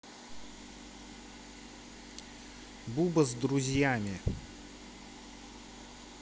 буба с друзьями